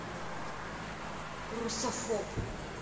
русофоб